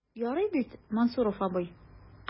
Ярый бит, Мансуров абый?